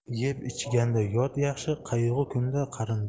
yeb ichganda yot yaxshi qayg'u kunda qarindosh